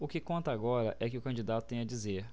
o que conta agora é o que o candidato tem a dizer